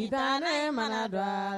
Tiga manadon